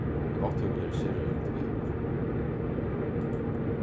í nátt hevur verið sera ringt veður